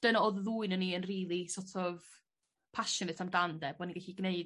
dyna odd y ddwy 'non ni yn rili so't of passionate amdan 'de bo' ni gallu gwneud...